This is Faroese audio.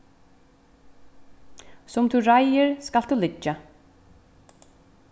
sum tú reiðir skalt tú liggja